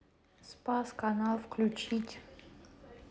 спас канал включить